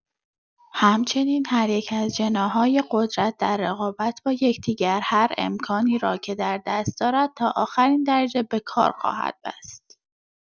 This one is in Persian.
همچنین هر یک از جناح‌های قدرت در رقابت با یکدیگر هر امکانی را که در دست دارد تا آخرین درجه به کار خواهد بست.